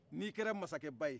n'i kɛra masakɛba ye